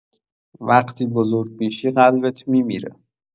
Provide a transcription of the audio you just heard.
وقتی بزرگ می‌شی قلبت میمیره